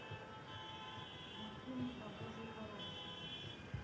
мультфильм про божью коровку